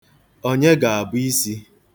Onye ga-abụ isi?